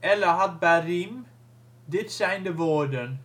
Elle ha-dewariem -' dit zijn de woorden